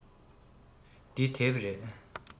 འདི དེབ རེད